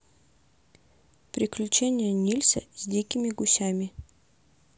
приключения нильса с дикими гусями